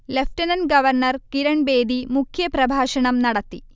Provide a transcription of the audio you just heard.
lieutenant governor Kiran Bedi മുഖ്യ പ്രഭാഷണം നടത്തി